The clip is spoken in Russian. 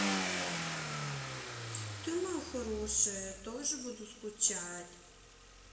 ты моя хорошая я тоже буду скачать